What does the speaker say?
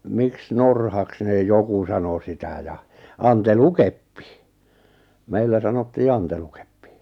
miksi norhaksi ne joku sanoi sitä ja antelukeppi meillä sanottiin antelukeppi